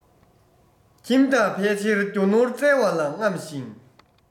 ཁྱིམ བདག ཕལ ཆེར རྒྱུ ནོར བཙལ བ ལ རྔམ ཞིང